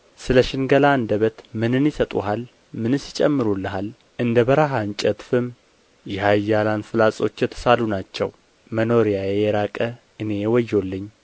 ስለ ሽንገላ አንደበት ምንም ይሰጡሃል ምንስ ይጨምሩልሃል እንደ በረሃ እንጨት ፍም የኃያላን ፍላጾች የተሳሉ ናቸው መኖሪያዬ የራቀ እኔ ወዮልኝ